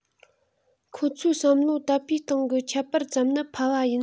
ཁོ ཚོའི བསམ བློའི དད པའི སྟེང གི ཁྱད པར ཙམ ནི ཕལ བ ཡིན